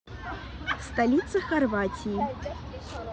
столица хорватии